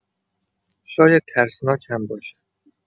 شاید ترسناک هم باشد.